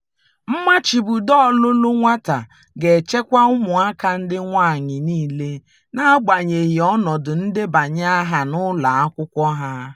Mmachibido ọlụlụ nwata ga-echekwa ụmụaka ndị nwaanyị niile, na-agbanyeghị ọnọdụ ndebanye aha n'ụlọ akwụkwọ ha.